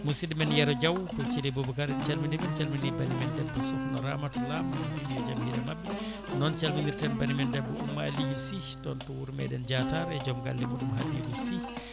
musidɗo men Yero Diaw to Thile Boubacara en calminimo en calmini banimen debbo Ramata Lam en mbi yo jaam hiire mabɓe noon calminirten banimen deɓɓo Oumou Aliou Sy toon to wuuro meɗen Diatar e joom galle muɗum Habibou Sy